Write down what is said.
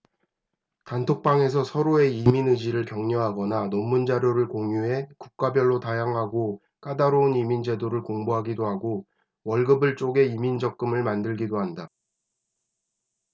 단톡방에서 서로의 이민 의지를 격려하거나 논문 자료 등을 공유해 국가별로 다양하고 까다로운 이민 제도를 공부하기도 하고 월급을 쪼개 이민 적금을 만들기도 한다